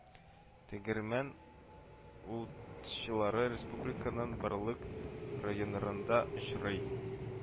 Тегермән утчыллары республиканың барлык районнарында очрый